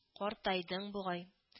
Картайдың бугай